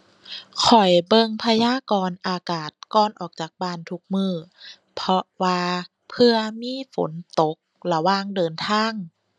ข้อยเบิ่งพยากรณ์อากาศก่อนออกจากบ้านทุกมื้อ เพราะว่าเผื่อมีฝนตกระหว่างเดินทาง